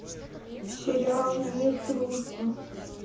сериал мир дружба